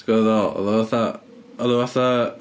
Ti'n gwbod fatha? Oedd o fatha oedd o fatha...